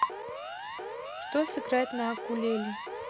что сыграть на окулеле